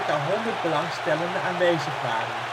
honderd belangstellenden aanwezig waren